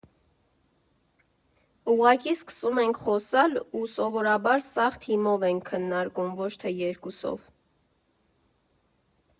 Ուղղակի սկսում ենք խոսալ, ու սովորաբար սաղ թիմով ենք քննարկում, ոչ թե երկուսով։